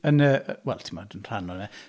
Yn y... wel, timod, yn rhan ohono fe.